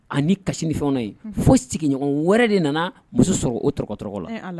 A kasi fɛn ye fo sigiɲɔgɔn wɛrɛ de nana muso sɔrɔ o t dɔgɔtɔrɔ la